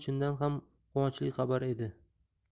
chindan ham quvonchli xabar edi